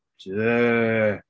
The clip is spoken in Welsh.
Ie!